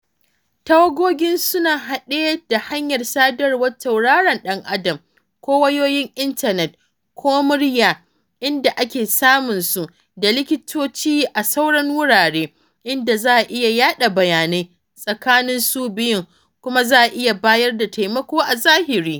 Tawagogin suna haɗe ta hanyar sadarwar tauraron dan-Adam ko wayoyin intanet ko murya (inda ake samun su) da likitoci a sauran wurare, inda za a iya yaɗa bayanai tsakanin su biyun kuma za a iya bayar da taimako a zahiri.